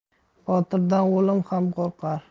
botirdan o'lim ham qo'rqar